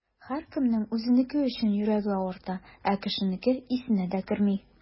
Һәркемнең үзенеке өчен йөрәге авырта, ә кешенеке исенә дә керми.